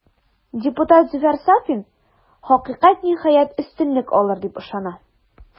Депутат Зөфәр Сафин, хакыйкать, ниһаять, өстенлек алыр, дип ышана.